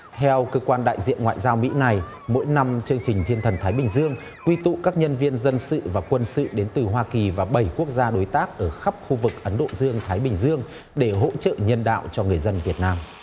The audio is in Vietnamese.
theo cơ quan đại diện ngoại giao mỹ này mỗi năm chương trình thiên thần thái bình dương quy tụ các nhân viên dân sự và quân sự đến từ hoa kỳ và bảy quốc gia đối tác ở khắp khu vực ấn độ dương thái bình dương để hỗ trợ nhân đạo cho người dân việt nam